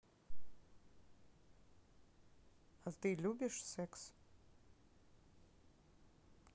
а ты любишь секс